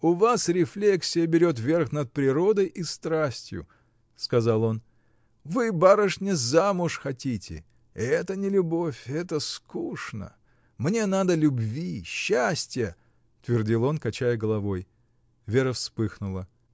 — У вас рефлексия берет верх над природой и страстью, — сказал он, — вы, барышня, замуж хотите! Это не любовь!. Это скучно! Мне надо любви, счастья. — твердил он, качая головой. Вера вспыхнула.